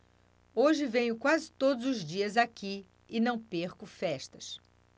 hoje venho quase todos os dias aqui e não perco festas